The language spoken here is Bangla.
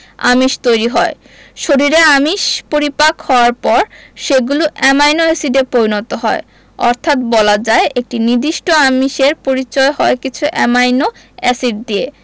আমিষ তৈরি হয় শরীরে আমিষ পরিপাক হওয়ার পর সেগুলো অ্যামাইনো এসিডে পরিণত হয় অর্থাৎ বলা যায় একটি নির্দিষ্ট আমিষের পরিচয় হয় কিছু অ্যামাইনো এসিড দিয়ে